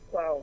waaw